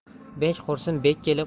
bek qursin bek kelib